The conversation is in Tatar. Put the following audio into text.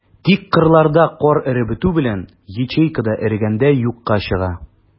Тик кырларда кар эреп бетү белән, ячейка да эрегәндәй юкка чыга.